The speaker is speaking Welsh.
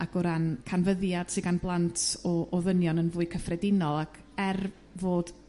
ag o ran canfyddiad sy gan blant o o ddynion yn fwy cyffredinol ac er fod